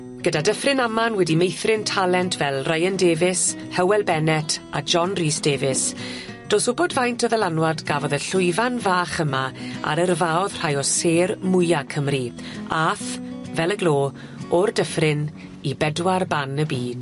Gyda Dyffryn Aman wedi meithrin talent fel Ryan Davies, Hywel Bennet a John Rhys Davies do's wbod faint o ddylanwad gafodd y llwyfan fach yma ar yrfaodd rhai o sêr mwya Cymru a'th, fel y glo, o'r dyffryn i bedwar ban y byd.